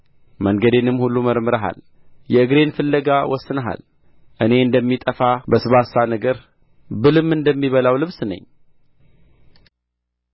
መንገዴንም ሁሉ መርምረሃል የእግሬን ፍለጋ ወስነሃል እኔ እንደሚጠፋ በስባሳ ነገር ብልም እንደሚበላው ልብስ ነኝ